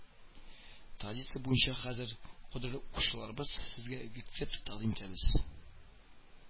Традиция буенча хәзер, кадерле укучыларыбыз, сезгә рецепт тәкъдим итәбез